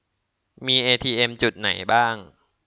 มีเอทีเอมจุดไหนบ้าง